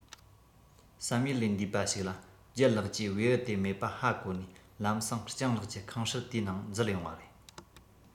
བསམ ཡུལ ལས འདས པ ཞིག ལ ལྗད ལགས ཀྱིས བེའུ དེ མེད པ ཧ གོ ནས ལམ སེང སྤྱང ལགས ཀྱི ཁང ཧྲུལ དེའི ནང འཛུལ ཡོང བ རེད